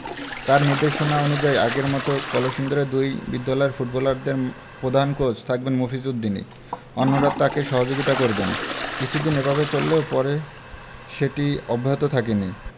তাঁর নির্দেশনা অনুযায়ী আগের মতো কলসিন্দুরের দুই বিদ্যালয়ের ফুটবলারদের পধান কোচ থাকবেন মফিজ উদ্দিনই অন্যরা তাঁকে সহযোগিতা করবেন কিছুদিন এভাবে চললেও পরে সেটি অব্যাহত থাকেনি